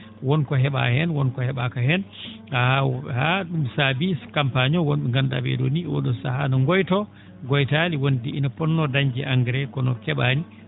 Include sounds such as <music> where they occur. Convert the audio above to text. wonko he?aa heen wonko he?aaka heen <hesitation> haa ?um saabii campagne o won ?e nganndu?aa ?ee ?oo nii oo?oo sahaa no ngoytoo ngoytaali wondi ino po?noo dañde engrais kono ke?aani